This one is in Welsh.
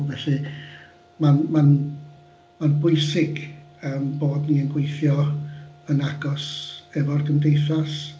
Felly ma'n ma'n ma'n bwysig yym bod ni'n gweithio yn agos efo'r gymdeithas.